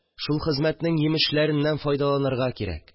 Шул хезмәтнең җимешләреннән файдаланырга кирәк